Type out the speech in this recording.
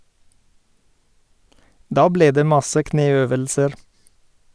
- Da ble det masse kneøvelser.